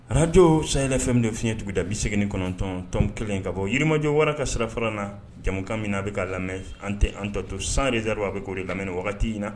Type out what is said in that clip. A'ajɔ sany fɛn min fiɲɛɲɛ tugun da bi segin9tɔntɔn kelen ka bɔ yirimajɔ wara ka sira fara na jamukan min na a bɛ kaa lamɛn an tɛ an tɔto san dezridu a bɛ'o de la wagati in na